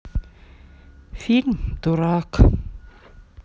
фильм дурак